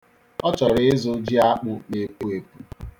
Ọ chọrọ ịzụ jiakpụ na-epu epu.